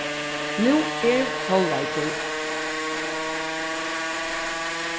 nú er hálvleikur